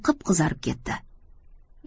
qip qizarib ketdi